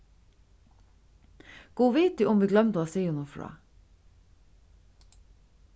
gud viti um vit gloymdu at siga honum frá